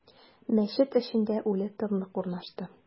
Мәчет эчендә үле тынлык урнашты.